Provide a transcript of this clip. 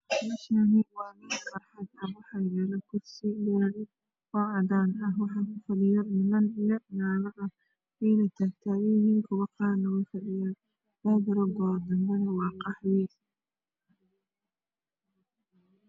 Meeshaan waa meel barxad ah waxaa yaalo kursi cadaan ah waxaa kufadhiyo niman iyo naago qaar way taagan yihiin qaarna way fadhiyaan baygaroonka dambe waa cadaan.